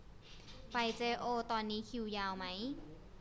ไปเจ๊โอวตอนนี้คิวยาวมั้ย